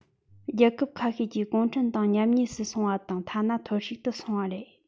རྒྱལ ཁབ ཁ ཤས ཀྱི གུང ཁྲན ཏང ཉམས ཉེས སུ སོང བ དང ཐ ན ཐོར ཞིག ཏུ སོང བ རེད